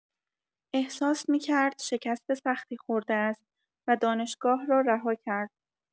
احساس می‌کرد شکست سختی خورده است و دانشگاه را رها کرد.